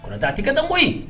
Ta a tɛ ka tɛbo in